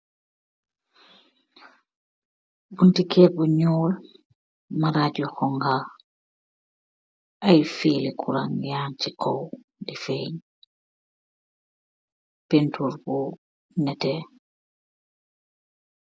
Bunti kerr bu jull, marag bu honha , ayy fereh gurak yaag si kow di feeg , penturr bu neteh